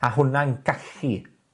a hwnna'n gallu,